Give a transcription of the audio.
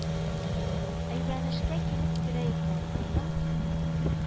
Әйләнешкә килеп керә икән, моның